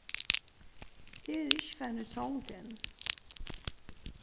eg eri ikki farin í song enn